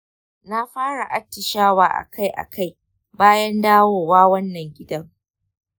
na fara atishawa akai-akai bayan dawowa wannan gidan.